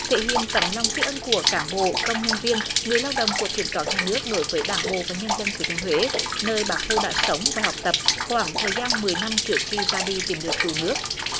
thể hiện tấm lòng tri ân của cán bộ công nhân viên người lao động của kiểm toán nhà nước đối với đảng bộ và nhân dân thừa thiên huế nơi bác hồ đã sống và học tập khoảng thời gian mười năm trước khi ra đi tìm đường cứu nước